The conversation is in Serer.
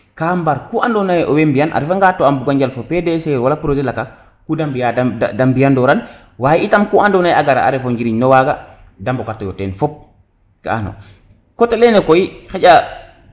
ka mbar ku ando naye owey mbiyan a refa nga to a mbuga njal fo PDC wala projet lakas ku de mbiya de mbiya noran waye itam ku ando naye a gara a refo njiriñ no waga de mbokato ten fop ga ano coté lene koy xaƴa